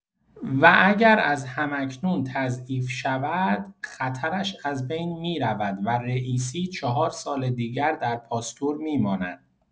و اگر از هم‌اکنون تضعیف شود، خطرش از بین می‌رود و رئیسی ۴ سال دیگر در پاستور می‌ماند.